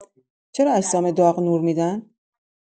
چرا اجسام داغ نور می‌دن؟